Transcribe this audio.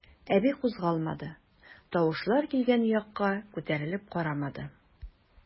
Әби кузгалмады, тавышлар килгән якка күтәрелеп карамады.